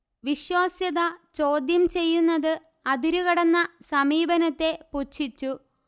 വിശ്വാസ്യത ചോദ്യം ചെയ്യുന്നത് അതിരു കടന്ന സമീപനത്തെ പുച്ഛിച്ചു